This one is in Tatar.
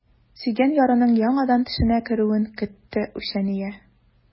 Сөйгән ярының яңадан төшенә керүен көтте үчәния.